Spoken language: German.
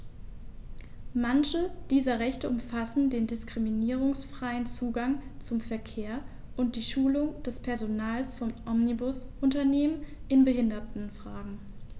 Manche dieser Rechte umfassen den diskriminierungsfreien Zugang zum Verkehr und die Schulung des Personals von Omnibusunternehmen in Behindertenfragen.